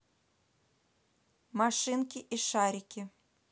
машинки и шарики